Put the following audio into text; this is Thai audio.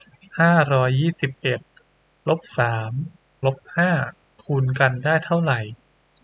ห้าร้อยยี่สิบเอ็ดลบสามลบห้าคูณกันได้เท่าไหร่